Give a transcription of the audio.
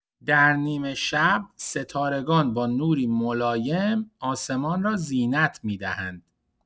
در نیمه‌شب، ستارگان با نوری ملایم آسمان را زینت می‌دهند.